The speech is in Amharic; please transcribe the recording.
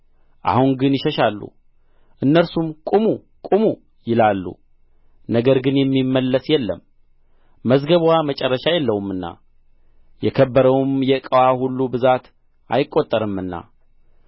አሁን ግን ይሸሻሉ እነርሱም ቁሙ ቁሙ ይላሉ ነገር ግን የሚመለስ የለም መዝገብዋ መጨረሻ የለውምና የከበረውም የዕቃዋ ሁሉ ብዛት አይቈጠርምና